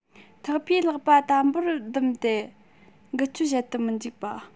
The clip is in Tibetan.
ཐག པས ལག པ དམ པོར བསྡུམས ཏེ འགུལ སྐྱོད བྱེད དུ མི འཇུག པ